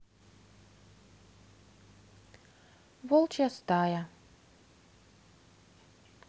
волчья стая